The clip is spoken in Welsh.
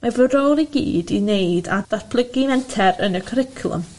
Mae fy role i gyd i neud a datblygu menter yn y cwricwlwm.